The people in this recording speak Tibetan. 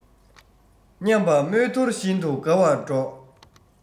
མཉམ པ རྨོས དོར བཞིན དུ དགའ བར འགྲོགས